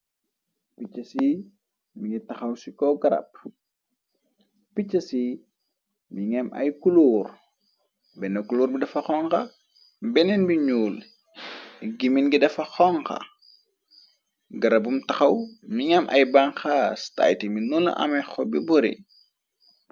picha si mi ngi taxaw ci ko garab picha si mi ngam ay kuloor benn culoor bi dafa xonxa benneen bi ñuul igimi ngi dafa xonga garabum taxaw mi ngam ay banxaa styti mi noona ame xo bi bori